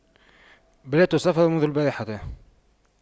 بدأت السفر منذ البارحة